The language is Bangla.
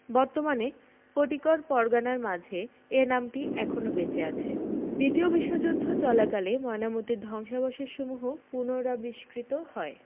বর্তমানে পটিকর পরগনার মাঝে এ নামটি এখন বেঁচে আছে দ্বিতীয় বিশ্বযুদ্ধ চলাকালে ময়নামতীর ধ্বংসাবশেষসমূহ পুনরাবিষ্কৃত হয়